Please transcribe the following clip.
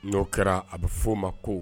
N'o kɛra a bɛ f fɔ oo ma ko